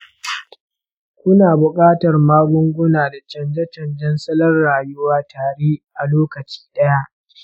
kuna buƙatar magunguna da canje-canjen salon rayuwa tare a lokaci ɗaya.